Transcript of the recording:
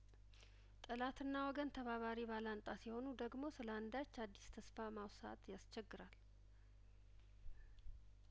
ጠላትና ወገን ተባባሪ ባላንጣ ሲሆኑ ደግሞ ስለአንዳች አዲስ ተስፋ ማውሳት ያስቸግራል